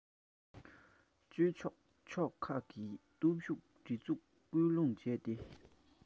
སྤྱོད ཆོག ཕྱོགས ཁག གི སྟོབས ཤུགས སྒྲིག འཛུགས སྐུལ སློང བྱས ཏེ